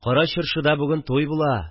– кара чыршыда бүген туй була